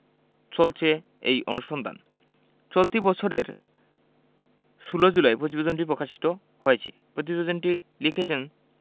চলেছে এই অনুসন্ধান চলতি বছরের ১৬ জুলাই প্রতিবেদনটি প্রকাশিত হয়েছে প্রতিবেদনটি লিখেছেন